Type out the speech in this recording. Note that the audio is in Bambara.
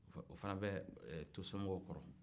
o fana bɛ to somɔgɔw kɔrɔ